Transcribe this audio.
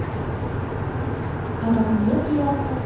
а как мне приятно